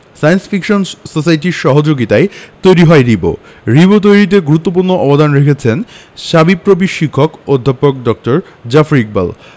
science fiction সোসাইটির সহযোগিতায়ই তৈরি হয় রিবো রিবো তৈরিতে গুরুত্বপূর্ণ অবদান রেখেছেন শাবিপ্রবির শিক্ষক অধ্যাপক ড জাফর ইকবাল